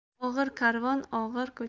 og'ir karvon og'ir ko'char